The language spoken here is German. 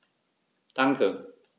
Danke.